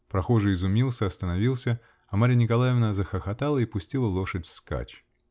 Прохожий изумился, остановился, а Марья Николаевна захохотала и пустила лошадь вскачь.